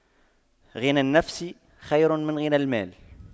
غنى النفس خير من غنى المال